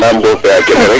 *